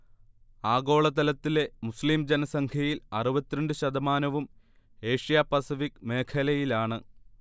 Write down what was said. ആഗോളതലത്തിലെ മുസ്ലിം ജനസംഖ്യയിൽ അറുപത്തി രണ്ട് ശതമാനവും ഏഷ്യ-പസഫിക് മേഖലയിലാണ്